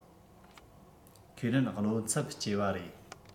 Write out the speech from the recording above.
ཁས ལེན བློ འཚབ སྐྱེ བ རེད